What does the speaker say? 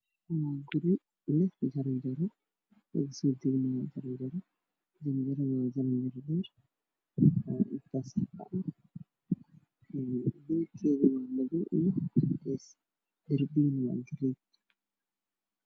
Gurigaan waxaa gudihiisa yaalo darmuus shax midab kiisu yahay dahabi